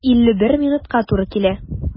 51 минутка туры килә.